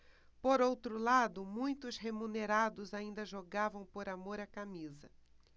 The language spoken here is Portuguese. por outro lado muitos remunerados ainda jogavam por amor à camisa